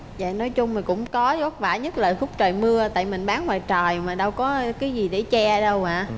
dạ nói chung là cũng có vất vả nhất là lúc trời mưa tại mình bán ngoài trời mà đâu có cái gì để che đâu ạ